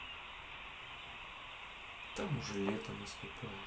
там уже лето наступает